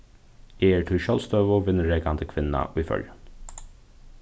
eg eri tí sjálvstøðug vinnurekandi kvinna í føroyum